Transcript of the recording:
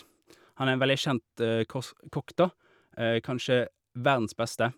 Han er en veldig kjent kos kokk, da, kanskje verdens beste.